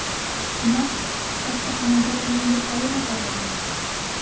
Димәк, хастаханәдә кемнеңдер хәле начарланды?